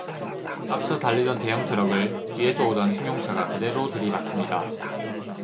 앞서 달리던 대형 트럭을 뒤에서 오던 승용차가 그대로 들이받습니다